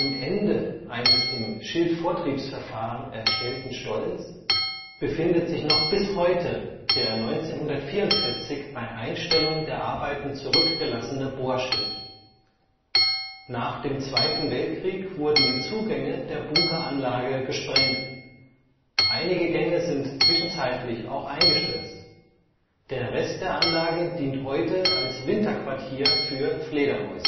Ende eines im Schildvortriebsverfahren erstellten Stollens befindet sich noch bis heute der 1944 bei Einstellung der Arbeiten zurückgelassene Bohrschild. Nach dem Zweiten Weltkrieg wurden die Zugänge der Bunkeranlage gesprengt. Einige Gänge sind zwischenzeitlich auch eingestürzt. Der Rest der Anlage dient heute als Winterquartier für Fledermäuse